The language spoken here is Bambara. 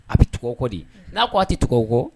A bɛ tugu aw kɔ de, n'a k'a tɛ tugu aw kɔ?